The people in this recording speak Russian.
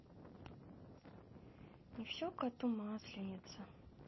не все кату масленица